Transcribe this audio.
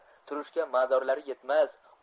turishga madorlari yetmas